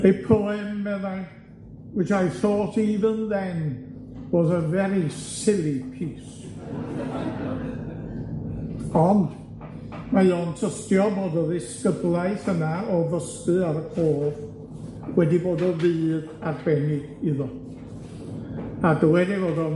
Her poem, meddai, which I thought even then was a very silly piece ond mae o'n tystio bod y ddisgyblaeth yna o ddysgu ar y cof wedi bod o fudd arbennig iddo, a dywedai fod o'n